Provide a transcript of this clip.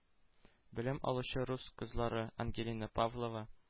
Белем алучы рус кызлары ангелина павлова,